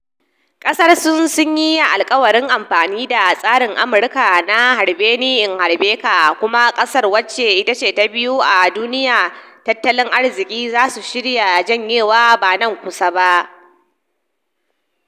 Kasar Sin sunyi alkawarin amfani da tsarin Amurka na harbe ni-in harbe ka, kuma kasar wace itace to biyu a duniyan tatalin arziki ba su shirya jenyewa ba nan kusa.